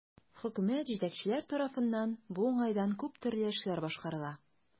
Хөкүмәт, җитәкчеләр тарафыннан бу уңайдан күп төрле эшләр башкарыла.